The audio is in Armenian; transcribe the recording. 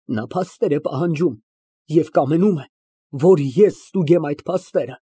Նա փաստեր է պահանջում և կամենում է, որ ես ստուգեմ այդ փաստերը։